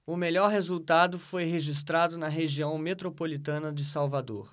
o melhor resultado foi registrado na região metropolitana de salvador